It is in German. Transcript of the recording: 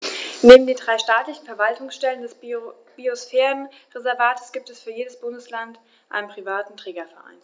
Neben den drei staatlichen Verwaltungsstellen des Biosphärenreservates gibt es für jedes Bundesland einen privaten Trägerverein.